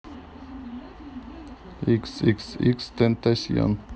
xxxtentacion